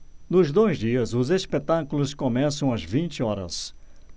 nos dois dias os espetáculos começam às vinte horas